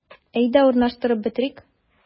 Әйдә, урнаштырып бетерик.